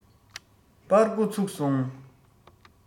པར སྒོ ཚུགས སོང